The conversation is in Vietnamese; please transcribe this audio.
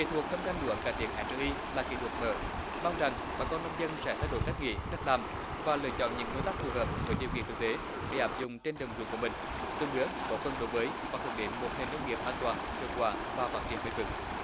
kỹ thuật thâm canh lúa cải tiến ét dê i là kỹ thuật mở mong rằng bà con nông dân sẽ thay đổi cách nghĩ cách làm và lựa chọn những nguyên tắc phù hợp với điều kiện thực tế để áp dụng trên đồng ruộng của mình từng bước góp phần đổi mới và hướng đến một nền nông nghiệp an toàn hiệu quả và phát triển bền vững